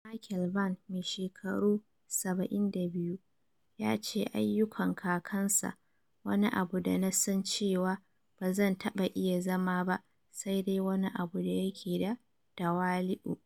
Michael Vann, mai shekaru 72, ya ce ayyukan kakansa "wani abu da na san cewa ba zan taba iya zama ba sai dai wani abu da yake da tawali'u."